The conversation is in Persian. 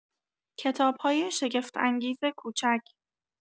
کتاب‌های شگفت‌انگیز کوچک